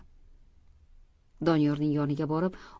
doniyorning yoniga borib